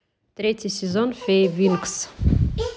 третий сезон феи винкс